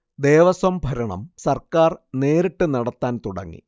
ദേവസ്വം ഭരണം സർക്കാർ നേരിട്ടു നടത്താൻ തുടങ്ങി